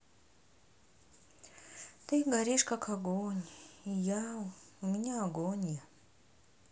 ты горишь как огонь и я у меня агония